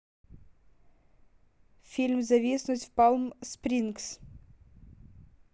фильм зависнуть в палм спрингс